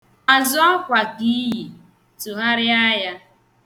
Azụ akwa ka i yi. Tụgharịa ya.